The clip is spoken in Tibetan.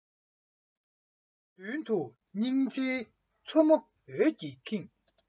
མདུན དུ སྙིང རྗེའི མཚོ མོ འོད ཀྱིས ཁེངས